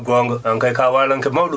goonga aan kay ko a waalanke mawɗo